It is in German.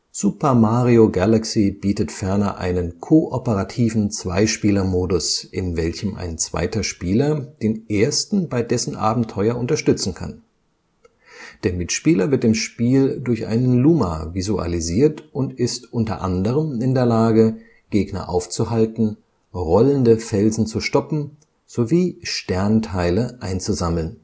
Super Mario Galaxy bietet ferner einen kooperativen Zweispielermodus, in welchem ein zweiter Spieler den ersten bei dessen Abenteuer unterstützen kann. Der Mitspieler wird im Spiel durch einen Luma visualisiert und ist unter anderem in der Lage, Gegner aufzuhalten, rollende Felsen zu stoppen sowie Sternteile einzusammeln